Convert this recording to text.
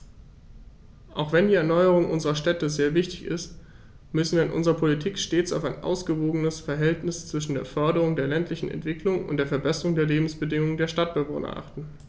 Auch wenn die Erneuerung unserer Städte sehr wichtig ist, müssen wir in unserer Politik stets auf ein ausgewogenes Verhältnis zwischen der Förderung der ländlichen Entwicklung und der Verbesserung der Lebensbedingungen der Stadtbewohner achten.